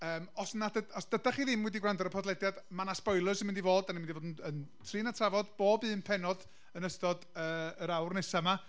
Yym. Os nad yd-... os dydach chi ddim wedi gwrando ar y podlediad, ma' 'na spoilers yn mynd i fod. Dan ni'n mynd i fod yn trin a trafod bob un pennod yn ystod, yy, yr awr nesa' 'ma.